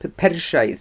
p- persiaidd.